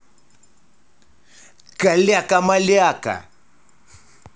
каляка маляка